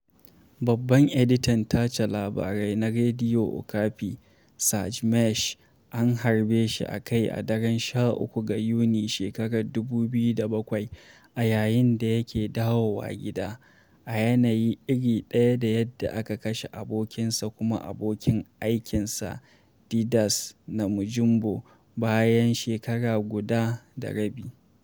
Babban editan tace labarai na Radio Okapi, Serge Maheshe, an harbe shi a kai a daren 13 ga Yuni shekarar 2007, a yayin da yake dawowa gida, a yanayi iri ɗaya da yadda aka kashe abokinsa kuma abokin aikinsa, Didace Namujimbo, bayan shekara guda da rabi.